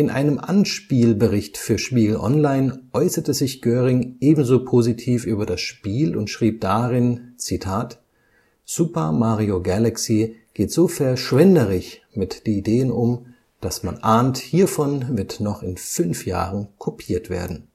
einem Anspielbericht für Spiegel Online äußerte sich Göring ebenso positiv über das Spiel und schrieb darin: „ Super Mario Galaxy geht so verschwenderisch mit Ideen um, dass man ahnt: Hiervon wird noch in fünf Jahren kopiert werden